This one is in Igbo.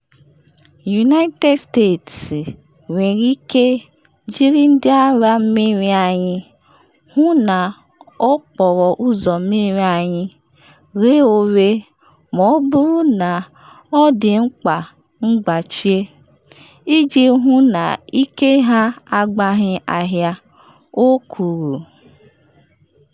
“United States nwere ike, jiri Ndị Agha Mmiri anyị, hụ na okporo ụzọ mmiri anyị ghe oghe, ma ọ bụrụ na ọ dị mkpa, gbachie, iji hụ na ike ha abaghị ahịa.” o kwuru.